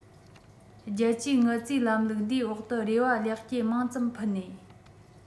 རྒྱལ སྤྱིའི དངུལ རྩའི ལམ ལུགས འདིའི འོག ཏུ རེ བ ལེགས སྐྱེས མང ཙམ ཕུལ ནས